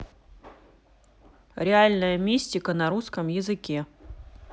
реальная мистика на русском языке